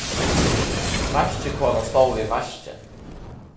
vaskikonan stóð við vaskið